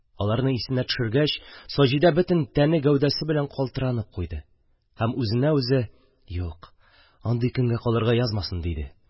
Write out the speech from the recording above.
Аларны исенә төшергәч, Саҗидә бөтен тәне-гәүдәсе белән калтыранып куйды һәм үзенә-үзе: юк, андый көнгә калырга язмасын, диде.